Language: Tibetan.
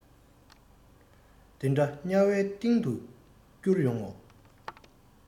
དེ འདྲ དམྱལ བའི གཏིང དུ བསྐྱུར ཡོང ངོ